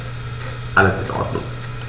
Alles in Ordnung.